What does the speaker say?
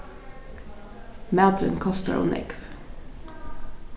maturin kostar ov nógv